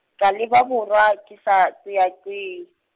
ka leba borwa, ke sa qeaqee.